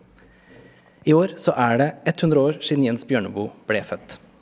i år så er det 100 år siden Jens Bjørneboe ble født.